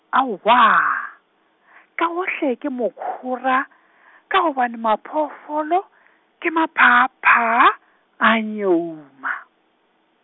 aowa , ka gohle ke mokhora , ka gobane maphoofolo, ke maphaaphaa, a nyeuma.